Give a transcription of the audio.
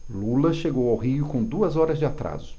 lula chegou ao rio com duas horas de atraso